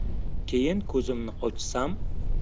keyin ko'zimni ochsam